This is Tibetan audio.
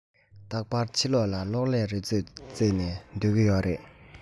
རྟག པར ཕྱི ལོག ལ གློག ཀླད རོལ རྩེད རྩེད ནས སྡོད ཀྱི ཡོད རེད